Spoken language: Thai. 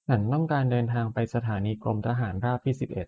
ฉันต้องการเดินทางไปสถานีกรมทหารราบที่สิบเอ็ด